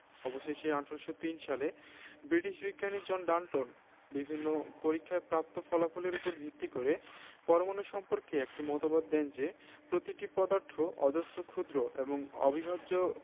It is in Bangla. অবশেষে ১৮০৩ সালে ব্রিটিশ বিজ্ঞানী জন ডাল্টন বিভিন্ন পরীক্ষায় প্রাপ্ত ফলাফলের উপর ভিত্তি করে পরমাণু সম্পর্কে একটি মতবাদ দেন যে প্রতিটি পদার্থ অজস্র ক্ষুদ্র এবং অবিভাজ্য